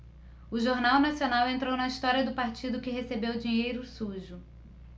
o jornal nacional entrou na história do partido que recebeu dinheiro sujo